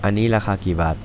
อันนี้ราคากี่บาท